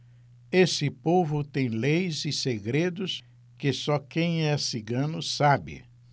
esse povo tem leis e segredos que só quem é cigano sabe